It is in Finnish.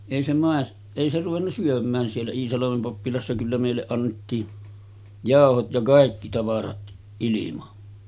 ei se - ei se ruvennut syömään siellä Iisalmen pappilassa kyllä meille annettiin jauhot ja kaikki tavarat ilman